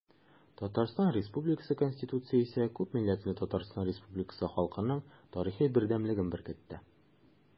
Татарстан Республикасы Конституциясе күпмилләтле Татарстан Республикасы халкының тарихы бердәмлеген беркетте.